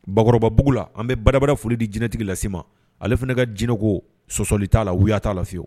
Bakɔrɔbababuguugu la an bɛ barabarara foli di jinɛtigi lasesi ma ale fana ka jinɛ ko sɔsɔli'a la uya'a lafiyewu